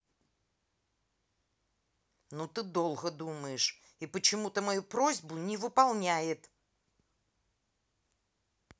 ну ты долго думаешь и почему то мою просьбу не выполняет